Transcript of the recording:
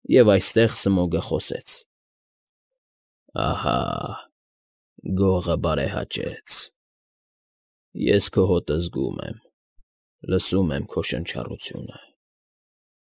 Եւ այստեղ Սմոգը խոսեց. ֊ Ահա, գողը բարեհաճեց… Ես քո հոտը զգում եմ, լսում եմ քո շնչառությունը։